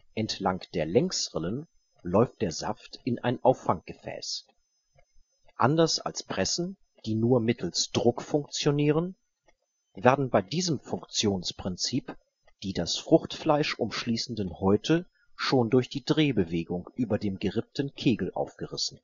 Entlang der Längsrillen läuft der Saft in ein Auffanggefäß. Anders als Pressen, die nur mittels Druck funktionieren, werden bei diesem Funktionsprinzip die das Fruchtfleisch umschließenden Häute schon durch die Drehbewegung über dem gerippten Kegel aufgerissen